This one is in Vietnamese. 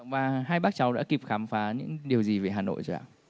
và hai bác cháu đã kịp khám phá những điều gì về hà nội rồi ạ